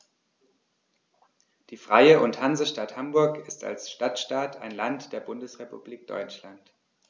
Die Freie und Hansestadt Hamburg ist als Stadtstaat ein Land der Bundesrepublik Deutschland.